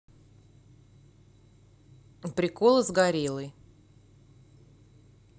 приколы с гориллой